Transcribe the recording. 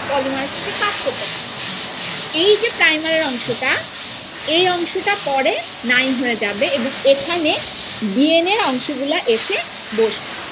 polymerase টা এসে কাজ করতে পারে এই যে প্রাইমারের অংশটা এই অংশ টা পরে নাই হয়ে যাবে এবং এখানে ডি এন এর অংশ গুলা এসে বসবে